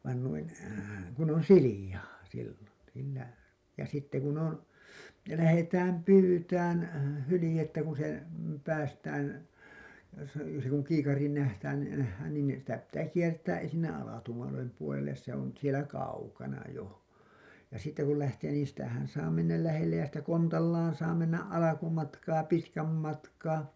vaan noin kun on sileää silloin siinä ja sitten kun on lähdetään pyytämään hyljettä kun se päästään se se kun kiikariin nähdään nähdään niin sitä pitää kiertää ensinnä alatuulen puolelle se on siellä kaukana jo ja sitten kun lähtee niin sitähän saa mennä lähelle ja sitä kontallaan saa mennä alkumatkaa pitkän matkaa